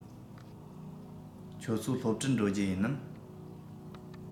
ཁྱོད ཚོ སློབ གྲྭར འགྲོ རྒྱུ ཡིན ནམ